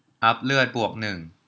อัพเลือดบวกหนึ่ง